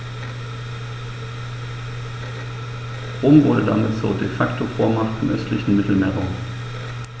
Rom wurde damit zur ‚De-Facto-Vormacht‘ im östlichen Mittelmeerraum.